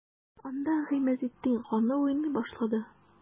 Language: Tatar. Анда Гыймазетдин каны уйный башлады.